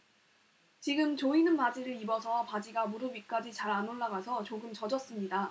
조금 조이는 바지를 입어서 바지가 무릎 위까지 잘 안 올라가서 조금 젖었습니다